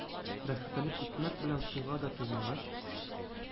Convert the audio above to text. Рәхәтләнеп икмәк белән суга да туймагач,